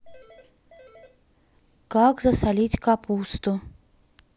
как засолить капусту